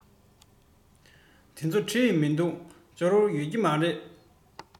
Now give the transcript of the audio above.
དེ ཚོ བྲིས མི འདུག འབྱོར ཡོད ཀྱི མ རེད